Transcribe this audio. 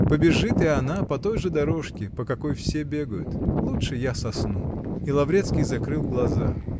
Побежит и она по той же дорожке, по какой все бегают. Лучше я сосну". И Лаврецкий закрыл глаза.